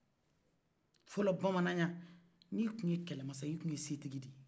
fɔlɔ bamananyan n'i kun ye kɛlɛ masa y'e i fɛn tigidenye